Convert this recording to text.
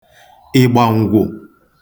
ịgbangwụ